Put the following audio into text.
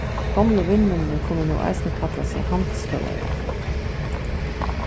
gomlu vinmenninir kunnu nú eisini kalla seg handilsfelagar